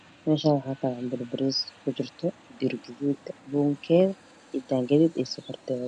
Meshan waxaa yasho cambulo dir gaduud iyo bunkeed iyo sokorteed